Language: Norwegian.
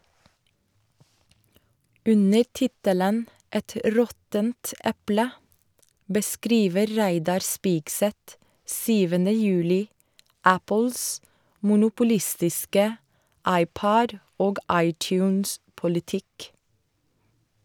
Under tittelen «Et råttent eple» beskriver Reidar Spigseth 7. juli Apples monopolistiske iPod- og iTunes-politikk.